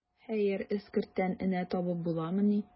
Хәер, эскерттән энә табып буламыни.